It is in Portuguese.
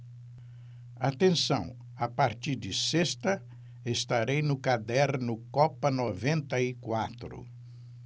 atenção a partir de sexta estarei no caderno copa noventa e quatro